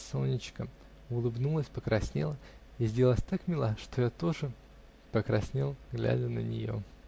Сонечка улыбнулась, покраснела и сделалась так мила, что я тоже покраснел, глядя на нее.